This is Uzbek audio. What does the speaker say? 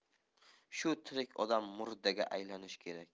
shu tirik odam murdaga aylanishi kerak